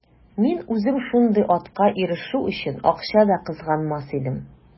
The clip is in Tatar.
Мин үзем шундый атка ирешү өчен акча да кызганмас идем.